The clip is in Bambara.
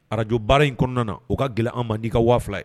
Arajo baara in kɔnɔna na o ka gɛlɛn an ma di'i ka waa ye